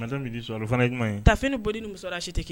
Ye taini boli ni sɔrɔ